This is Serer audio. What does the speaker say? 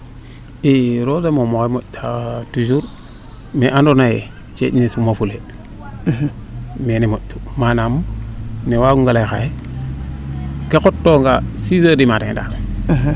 i roose moom oxey moƴta toujours mee ando naye ceeƴne suma fulee mene moƴtu manaam na waago nga leye xaye ke xot toona 6 heures dub matin daal